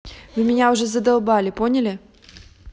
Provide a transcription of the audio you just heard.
вы меня уже задолбали поняли